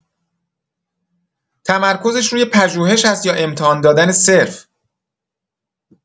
تمرکزش روی پژوهش هست یا امتحان دادن صرف؟